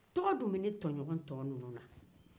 tɔgɔ dun bɛ ne tɔgɔn ninnu na